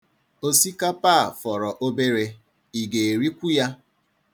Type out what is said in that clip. Osikapa a fọrọ obere, Ị ga-erikwu ya.